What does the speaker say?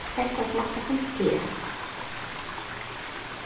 hetta smakkar sum te